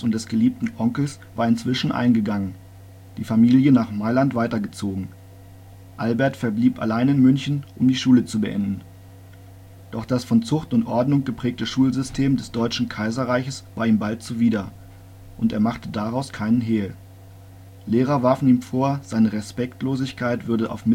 des geliebten Onkels war inzwischen eingegangen, die Familie nach Mailand weitergezogen. Albert verblieb allein in München, um die Schule zu beenden. Doch das von Zucht und Ordnung geprägte Schulsystem des Deutschen Kaiserreiches war ihm bald zuwider, und er machte daraus keinen Hehl. Lehrer warfen ihm vor, seine Respektlosigkeit würde auf